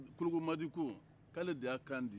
kologomadi ko k'ale de y'a kan di